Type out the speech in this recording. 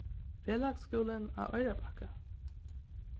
felagsskúlin á oyrarbakka